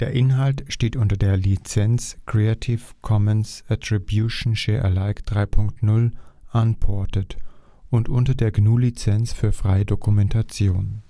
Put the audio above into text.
Inhalt steht unter der Lizenz Creative Commons Attribution Share Alike 3 Punkt 0 Unported und unter der GNU Lizenz für freie Dokumentation